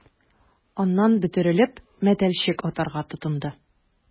Аннан, бөтерелеп, мәтәлчек атарга тотынды...